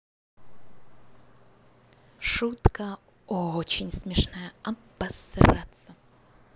шутка очень смешная обосраться